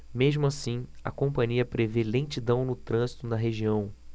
mesmo assim a companhia prevê lentidão no trânsito na região